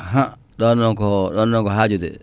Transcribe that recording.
ahan ɗon noon ko ɗon noon ko haaju de